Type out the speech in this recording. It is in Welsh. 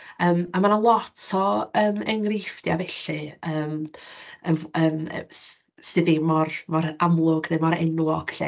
Yym a ma' 'na lot o yym enghraifftiau felly yym yym yym s- sy ddim mor mor amlwg neu mor enwog 'lly.